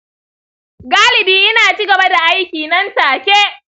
galibi ina ci gaba da aiki nan take.